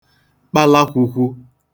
kpalakwūkwū